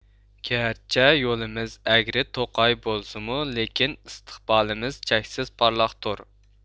گەرچە يولىمىز ئەگرى توقاي بولسىمۇ لېكىن ئىستىقبالىمىز چەكسىز پارلاقتۇر